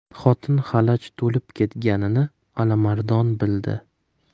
xotin xalaj to'lib ketganini alimardon bildi